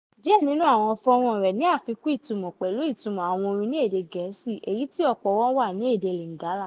Díẹ̀ nínú àwọn fọ́nràn rẹ̀ ní àfikún ìtumọ̀ pẹ̀lú ìtumọ̀ àwọn orin ní èdè Gẹ̀ẹ́sì èyí tí ọ̀pọ̀ wọn wà ní èdè Lingala.